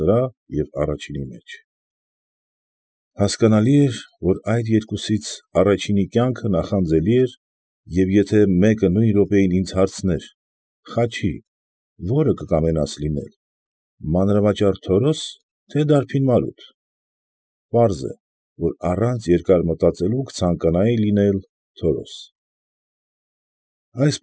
Որքա՛ն զանաղանություն։